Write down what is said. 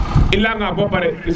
i leya nga bo pare